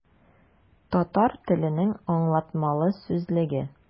Татар теленең аңлатмалы сүзлеге.